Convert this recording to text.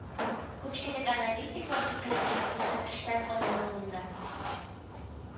Күпчелек аналитиклар фикеренчә, сүзнең эштән аерылуында